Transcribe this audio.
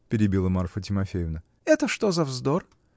-- перебила Марфа Тимофеевна, -- это что за вздор?